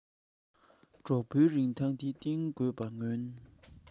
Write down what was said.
གྲོགས པོའི རིན ཐང འདི རྟེན དགོས པར མངོན